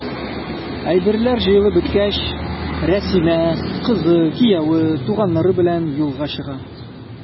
Әйберләр җыелып беткәч, Рәсимә, кызы, кияве, туганнары белән юлга чыга.